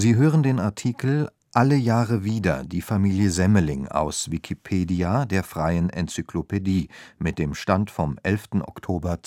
hören den Artikel Alle Jahre wieder – Die Familie Semmeling, aus Wikipedia, der freien Enzyklopädie. Mit dem Stand vom Der